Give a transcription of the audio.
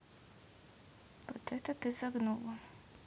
вот это ты загнула